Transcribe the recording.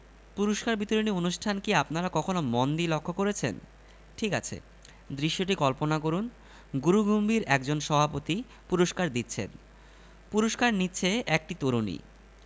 এখন অতিথিকে সেখানে বসে বাথরুম করতে হবে ছেলের মা বিব্রত হয়ে বললেন ছিঃ লক্ষীসোনা এসব কি বলে তোমার খালা হয় না কিন্তু ততক্ষণে ওর মাথায় ব্যাপারটা ঢুকে গেছে